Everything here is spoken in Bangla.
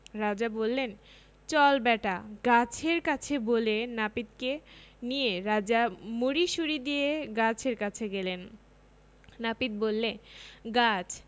রাজা বললেন চল ব্যাটা গাছের কাছে বলে নাপিতকে নিয়ে রাজা মুড়িসুড়ি দিয়ে গাছের কাছে গেলেন নাপিত বললে গাছ